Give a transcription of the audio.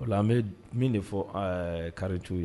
O an bɛ min de fɔ kari cogo ye